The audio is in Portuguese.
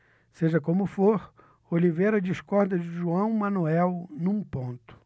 seja como for oliveira discorda de joão manuel num ponto